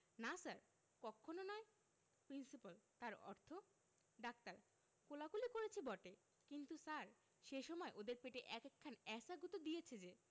না স্যার কক্ষণো নয় প্রিন্সিপাল তার অর্থ ডাক্তার কোলাকুলি করেছি বটে কিন্তু স্যার সে সময় ওদের পেটে এক একখান এ্যায়সা গুঁতো দিয়েছে যে